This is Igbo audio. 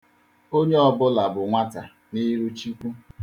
Onye ọbụla bụ nwata n'iru Chukwu.